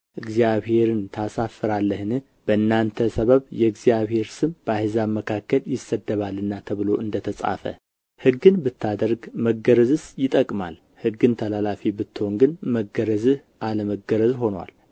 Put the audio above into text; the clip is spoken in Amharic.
እግዚአብሔርን ታሳፍራለህን በእናንተ ሰበብ የእግዚአብሔር ስም በአሕዛብ መካከል ይሰደባልና ተብሎ እንደ ተጻፈ ሕግን ብታደርግ መገረዝስ ይጠቅማል ሕግን ተላላፊ ብትሆን ግን መገረዝህ አለ መገረዝ ሆኖአል